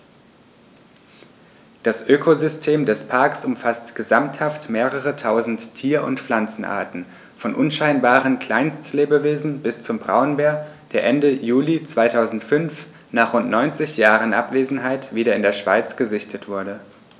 Das Ökosystem des Parks umfasst gesamthaft mehrere tausend Tier- und Pflanzenarten, von unscheinbaren Kleinstlebewesen bis zum Braunbär, der Ende Juli 2005, nach rund 90 Jahren Abwesenheit, wieder in der Schweiz gesichtet wurde.